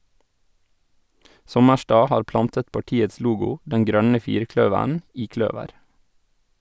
Sommerstad har plantet partiets logo, den grønne firkløveren, i kløver.